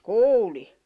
kuulin